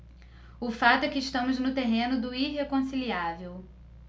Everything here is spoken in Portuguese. o fato é que estamos no terreno do irreconciliável